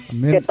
amiin